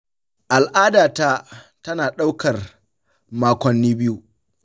al’adata tana ɗaukar makonni biyu.